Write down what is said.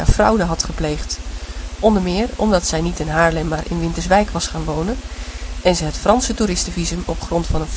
fraude had gepleegd, onder meer omdat zij niet in Haarlem maar in Winterswijk was gaan wonen en ze het Franse toeristenvisum op grond van